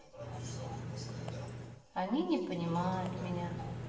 они не понимают меня